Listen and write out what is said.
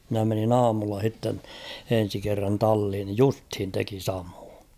minä menin aamulla sitten ensi kerran talliin niin justiin teki samoin